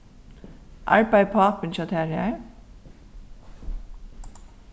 arbeiðir pápin hjá tær har